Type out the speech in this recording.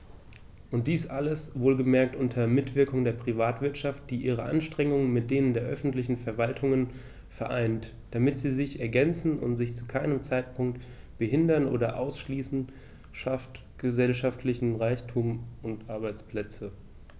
Und dies alles - wohlgemerkt unter Mitwirkung der Privatwirtschaft, die ihre Anstrengungen mit denen der öffentlichen Verwaltungen vereint, damit sie sich ergänzen und sich zu keinem Zeitpunkt behindern oder ausschließen schafft gesellschaftlichen Reichtum und Arbeitsplätze.